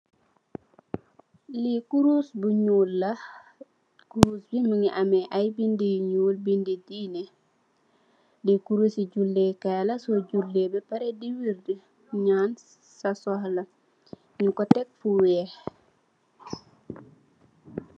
Lii kurus bu ñuul la, kuruss bi mungi am ay bindi bindi yu ñuul bindi dinne. Lii kuruss ci julle kaila su julle ba pare nyañ sa soxlo nyung ku tek fu weex.